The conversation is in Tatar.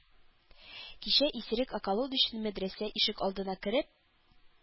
Кичә исерек околодочный мәдрәсә ишек алдына кереп,